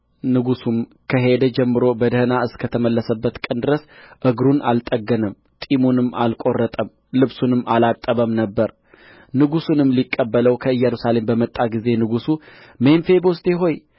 ንጉሡም ከሄደ ጀምሮ በደኅና እስከ ተመለሰበት ቀን ድረስ እግሩን አልጠገነም ጢሙንም አልቈረጠም ልብሱንም አላጠበም ነበር ንጉሡም ሊቀበለው ከኢየሩሳሌም በመጣ ጊዜ ንጉሡ ሜምፊቦስቴ ሆይ